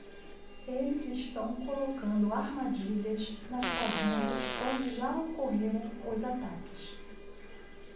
eles estão colocando armadilhas nas fazendas onde já ocorreram os ataques